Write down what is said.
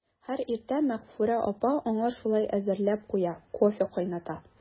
Һәр иртә Мәгъфүрә апа аңа шулай әзерләп куя, кофе кайната.